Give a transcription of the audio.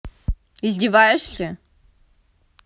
издеваешься